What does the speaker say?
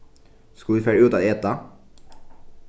skulu vit fara út at eta